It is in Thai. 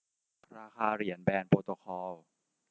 ราคาเหรียญแบรนด์โปรโตคอล